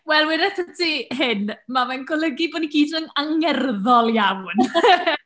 Wel, weda i wrtha ti hyn, mae fe'n golygu bo' ni gyd yn angerddol iawn !